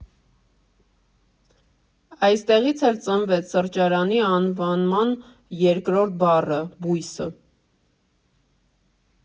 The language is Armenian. Այստեղից էլ ծնվեց սրճարանի անվանման երկրորդ բառը՝ բույսը։